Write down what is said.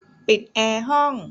ปิดแอร์ห้อง